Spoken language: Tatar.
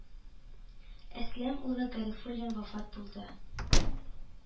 Әсләм улы Гарифуллин вафат булды